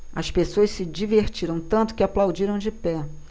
as pessoas se divertiram tanto que aplaudiram de pé